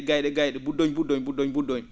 gay?e gay?e buddoñ buddoñ buddoñ buddoñ